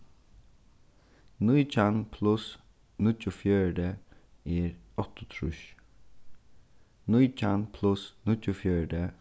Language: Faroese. nítjan pluss níggjuogfjøruti er áttaogtrýss nítjan pluss níggjuogfjøruti